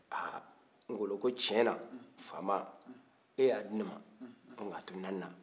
ha ngolo ko tiɲɛ na faama e y'a di ne ma nka a tununa ne na